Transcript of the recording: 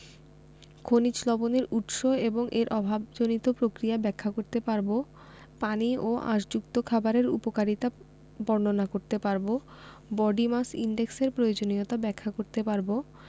খনিজ লবণের উৎস এবং এর অভাবজনিত প্রতিক্রিয়া ব্যাখ্যা করতে পারব পানি ও আশযুক্ত খাবারের উপকারিতা বর্ণনা করতে পারব বডি মাস ইনডেক্স এর প্রয়োজনীয়তা ব্যাখ্যা করতে পারব